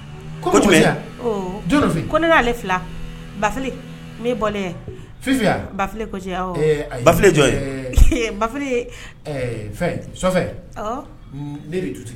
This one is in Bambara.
Ko ne'ale ba n bɔle